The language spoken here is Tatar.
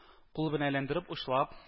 Кул белән әйләндереп учлап